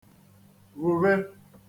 wùve